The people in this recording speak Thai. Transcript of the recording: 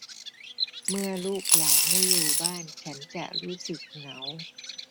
เมื่อลูกหลานไม่อยู่บ้านฉันจะรู้สึกเหงา